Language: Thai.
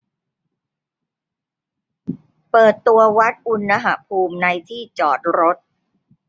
เปิดตัววัดอุณหภูมิในที่จอดรถ